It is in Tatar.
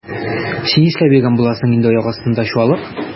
Син нишләп йөргән буласың инде аяк астында чуалып?